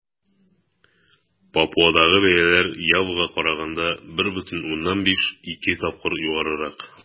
Папуадагы бәяләр Явага караганда 1,5-2 тапкыр югарырак.